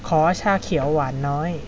ขอชาเขียวหวานน้อย